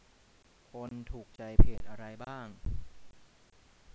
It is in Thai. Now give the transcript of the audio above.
พลถูกใจเพจอะไรบ้าง